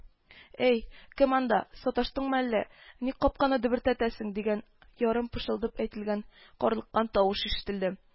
- эй, кем анда? саташтыңмы әллә, ник капканы дөбердәтәсең? - дигән ярым пышылдап әйтелгән карлыккан тавыш ишетелде